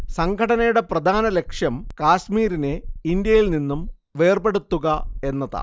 സംഘടനയുടെ പ്രധാനലക്ഷ്യം കാശ്മീരിനെ ഇന്ത്യയിൽ നിന്നും വേർപെടുത്തുക എന്നതാണ്